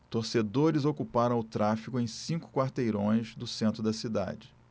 torcedores ocuparam o tráfego em cinco quarteirões do centro da cidade